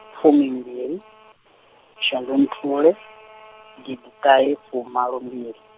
fumimbili, shundunthule, gidi -ṱahefumalombiri.